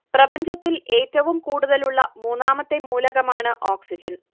പ്രപഞ്ചത്തിൽ ഏറ്റവും കൂടുതലുള്ള മൂന്നാമത്തെ മൂലകമാണ് ഓക്സിജൻ